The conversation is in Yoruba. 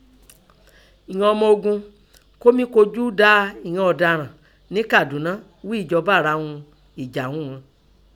Ìnan ọmoogun kọ́ mí kọjú da ìnan ọ̀daràn nẹ Kàdúná ghí ẹ̀jọba rahun ẹ̀jà ún ọn.